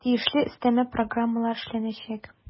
Тиешле өстәмә программалар эшләнәчәк.